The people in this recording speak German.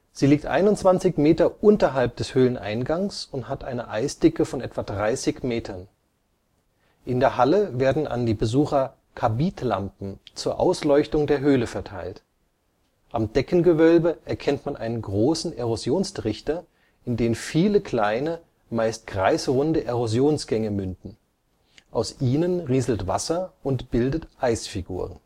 Sie liegt 21 Meter unterhalb des Höhleneingangs und hat eine Eisdicke von etwa 30 Metern. In der Halle werden an die Besucher Karbidlampen zur Ausleuchtung der Höhle verteilt. Am Deckengewölbe erkennt man einen großen Erosionstrichter, in den viele kleine, meist kreisrunde Erosionsgänge münden. Aus ihnen rieselt Wasser und bildet Eisfiguren